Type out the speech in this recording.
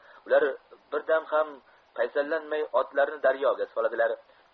ular bir dam ham paysallanmay otlarni daryoga soladilar